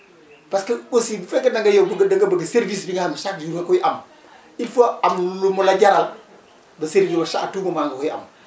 parce que aussi bu fekkee da nga yow bëgg a da nga bëgg service bi nga xam ne chaque jour nga koy am il faut am lu mu la jaral ba service yooyu à tout moment nga koy am